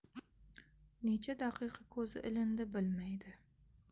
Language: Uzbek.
necha daqiqa ko'zi ilindi bilmaydi